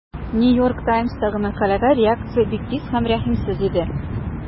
New York Times'тагы мәкаләгә реакция бик тиз һәм рәхимсез иде.